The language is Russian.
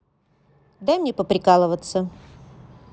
дайте мне поприкалываться